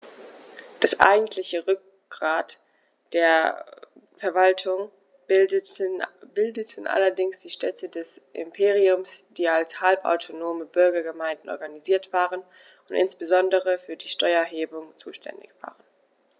Das eigentliche Rückgrat der Verwaltung bildeten allerdings die Städte des Imperiums, die als halbautonome Bürgergemeinden organisiert waren und insbesondere für die Steuererhebung zuständig waren.